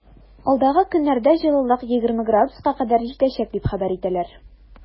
Алдагы көннәрдә җылылык 20 градуска кадәр җитәчәк дип хәбәр итәләр.